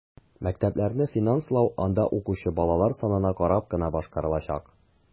Мәктәпләрне финанслау анда укучы балалар санына карап кына башкарылачак.